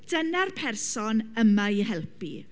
Dyna'r person yma i helpu.